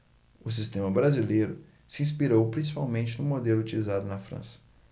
o sistema brasileiro se inspirou principalmente no modelo utilizado na frança